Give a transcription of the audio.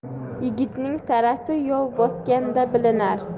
yigitning sarasi yov bosganda bilinar